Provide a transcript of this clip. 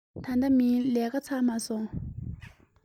ད ལྟ མིན ལས ཀ ཚར མ སོང